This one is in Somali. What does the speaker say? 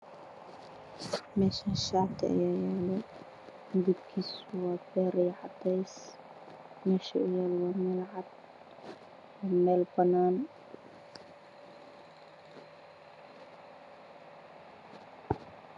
Meeshaan shaati ayaa yaalo midabkiisu waa beer iyo cadeys. Meesha uu yaalana waa meel banaan ah oo cad.